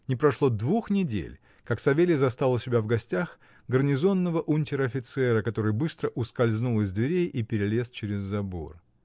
Не прошло двух недель, как Савелий застал у себя в гостях гарнизонного унтер-офицера, который быстро ускользнул из дверей и перелез через забор.